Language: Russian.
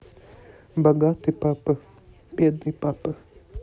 богатый папа бедный папа